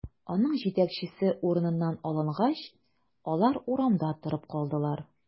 Аның җитәкчесе урыныннан алынгач, алар урамда торып калдылар.